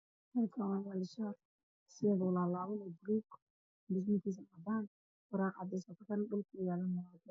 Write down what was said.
Waa shaati buluug oo laalaaban oo saaran meel